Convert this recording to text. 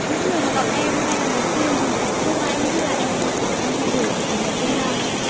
những người mà gặp em ngay lần đầu tiên thì không ai nghĩ là em đang theo đuổi dòng nhạc dân gian